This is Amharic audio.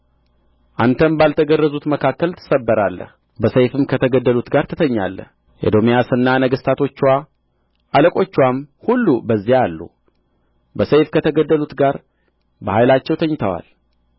አንተም ባልተገረዙት መካከል ትሰበራለህ በሰይፍም ከተገደሉት ጋር ትተኛለህ ኤዶምያስና ነገሥታቶችዋ አለቆችዋም ሁሉ በዚያ አሉ በሰይፍ ከተገደሉት ጋር በኃይላቸው ተኝተዋል